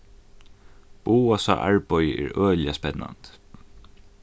bogasa arbeiði er øgiliga spennandi